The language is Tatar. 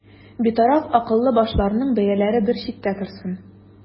Битараф акыллы башларның бәяләре бер читтә торсын.